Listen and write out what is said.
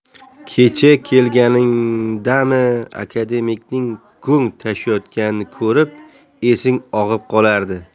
kecha kelganingdami akademikning go'ng tashiyotganini ko'rib esing og'ib qolardi